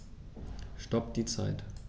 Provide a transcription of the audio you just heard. Stopp die Zeit